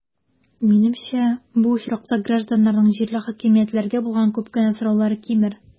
Минемчә, бу очракта гражданнарның җирле хакимиятләргә булган күп кенә сораулары кимер.